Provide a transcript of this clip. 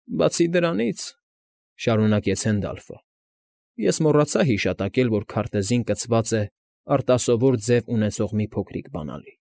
Բացի դրանից, ֊ շարունակեց Հենդալֆը,֊ ես մոռացա հիշատակել, որ քարտեզին կցված է արտասովոր ձև ունեցող մի փոքրիկ բանալի։